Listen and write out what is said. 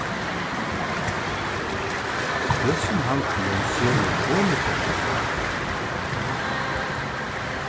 hesin handilin selur konufólkaklæðir